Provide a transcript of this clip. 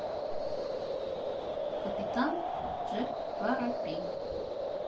капитан джек воробей